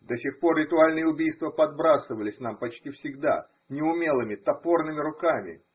До сих пор ритуальные убийства подбрасывались нам почти всегда неумелыми, топорными руками.